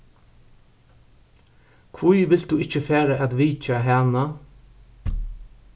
hví vilt tú ikki fara at vitja hana